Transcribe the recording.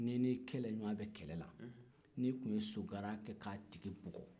n'i ni kɛlɛɲɔgɔn bɛ kɛlɛla n'i tun ye sogaran kɛ k'a tigi bugɔ